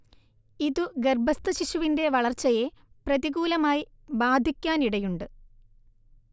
ഇതു ഗർഭസ്ഥശിശുവിന്റെ വളർച്ചയെ പ്രതികൂലമായി ബാധിക്കാനിടയുണ്ട്